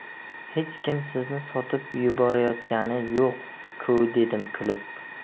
hech kim sizni sotib yuborayotgani yo'q ku dedim kulib